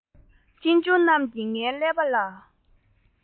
གཅེན གཅུང རྣམས ཀྱིས ངའི ཀླད པ ལ